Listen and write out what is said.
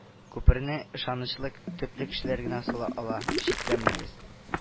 Күперне ышанычлы, төпле кешеләр генә сала ала, шикләнмәгез